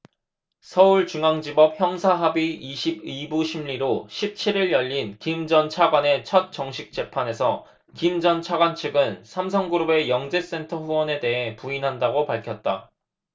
서울중앙지법 형사합의 이십 이 부 심리로 십 칠 일 열린 김 전 차관의 첫 정식 재판에서 김 전 차관 측은 삼성그룹의 영재센터 후원에 대해 부인한다고 밝혔다